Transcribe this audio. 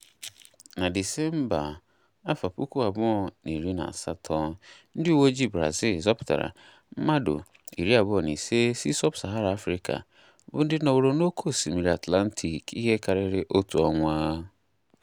Na Disemba 2018, ndị uweojii Brazil zọpụtara mmadụ 25 si sub-Sahara Afrịka bụ́ ndị "nọworo n'oké osimiri Atlantic ihe karịrị otu ọnwa".